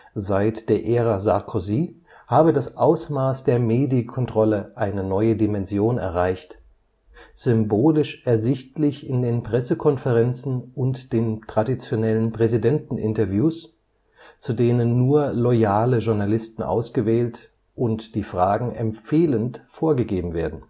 Seit der Ära Sarkozy habe das Ausmaß der Medienkontrolle eine neue Dimension erreicht, symbolisch ersichtlich in den Pressekonferenzen und den traditionellen Präsidenteninterviews, zu denen nur loyale Journalisten ausgewählt und die Fragen empfehlend vorgegeben werden